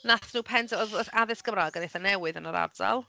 Wnaethon nhw pender- oedd oedd addysg Gymraeg yn eitha newydd yn yr ardal yym.